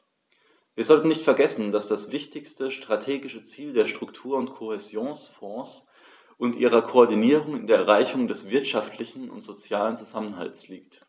Wir sollten nicht vergessen, dass das wichtigste strategische Ziel der Struktur- und Kohäsionsfonds und ihrer Koordinierung in der Erreichung des wirtschaftlichen und sozialen Zusammenhalts liegt.